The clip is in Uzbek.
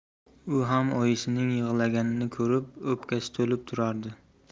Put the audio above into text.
u ham oyisining yig'laganini ko'rib o'pkasi to'lib turardi